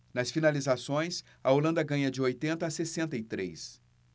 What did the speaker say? nas finalizações a holanda ganha de oitenta a sessenta e três